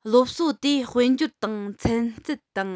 སློབ གསོ དེ དཔལ འབྱོར དང ཚན རྩལ དང